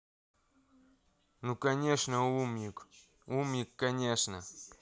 ну конечно умник конечно